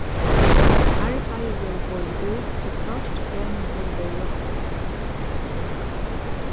arbeiðið verður boðið út so hvørt peningur verður játtaður